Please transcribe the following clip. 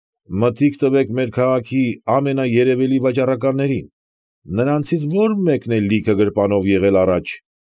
Մտիկ տվեք մեր քաղաքի ամենաերևելի վաճառականներին, նրանցից ո՞ր մեկն է լիք գրպանով եղել առաջ։